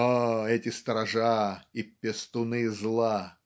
О, эти сторожа и пестуны зла!